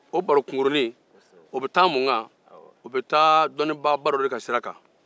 o baro kunkurunnin be taa donnibaaba dɔ kan